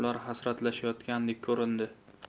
ular hasratlashayotgandek ko'rindi